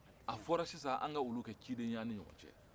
a fora sisan an ka olu kɛ ciden ye an ni ɲɔgɔn cɛ